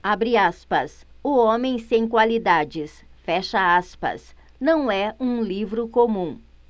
o homem sem qualidades não é um livro comum